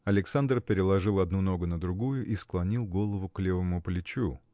Александр переложил одну ногу на другую и склонил голову к левому плечу.